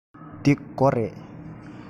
འདི སྒོ རེད